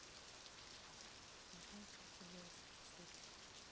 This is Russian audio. в джазе только девушки в цвете